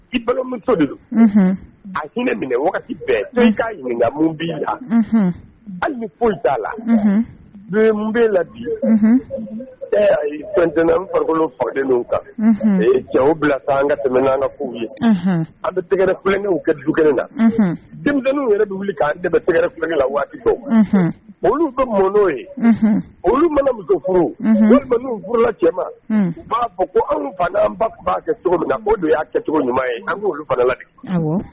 I balimamuso a hinɛ minɛ waati bɛɛ ɲininka b i la hali foyi ta la bɛ la bi ye fɛntɛnɛn farikolo fanden kan ye ja bila an ka tɛmɛɛn na ko ye an bɛ tɛgɛɛrɛkɛw kɛ duk kelen na denmisɛnninw yɛrɛ wuli k'an dɛsɛ bɛ tɛgɛɛrɛkɛ la waati olu bɛ mɔn' ye olumuso furuw furula cɛ' fɔ ko anw fana an b' kɛ cogo min na'o don y'a kɛcogo ɲuman ye an bɛla de